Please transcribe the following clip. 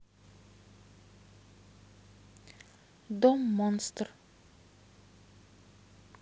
дом монстр